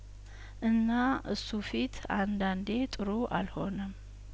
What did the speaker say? እና እሱ ፊት አንዳንዴ ጥሩ አልሆንም